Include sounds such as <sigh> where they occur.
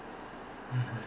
<hesitation> <hesitation>